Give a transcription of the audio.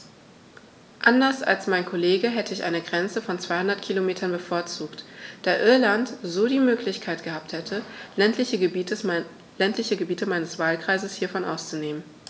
Anders als mein Kollege hätte ich eine Grenze von 200 km bevorzugt, da Irland so die Möglichkeit gehabt hätte, ländliche Gebiete meines Wahlkreises hiervon auszunehmen.